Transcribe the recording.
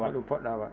hoɗum poɗɗa waad